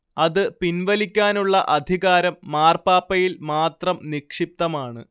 അത് പിൻവലിക്കാനുള്ള അധികാരം മാർപ്പാപ്പയിൽ മാത്രം നിക്ഷിപ്തമാണ്